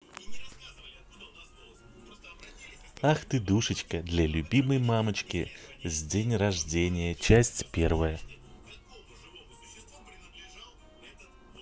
ах ты душечка для любимой мамочки с день рождения часть первая